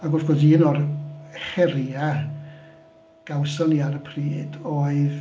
Ac wrth gwrs un o'r heriau gawson ni ar y pryd oedd...